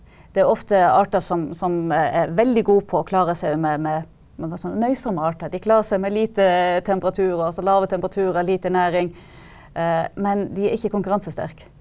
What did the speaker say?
det er ofte arter som som er veldig god på å klare seg med med nøysomme arter, de klarer seg med lite temperaturer altså lave temperaturer, lite næring, men de er ikke konkurransesterke.